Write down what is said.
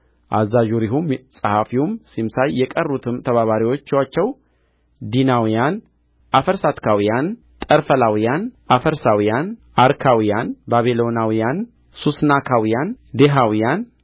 አዛዡ ሬሁም ጸሐፊውም ሲምሳይ የቀሩትም ተባባሪዎቻቸው ዲናውያን አፈርሳትካውያን ጠርፈላውያን አፈርሳውያን አርካውያን ባቢሎናውያን ሱስናካውያን ዴሐውያን